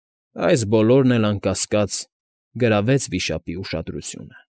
Այս բոլորն էլ, անկասկած, գրավեց Վիշապի ուշադրությունը։